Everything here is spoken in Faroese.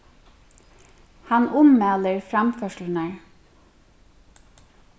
hann ummælir framførslurnar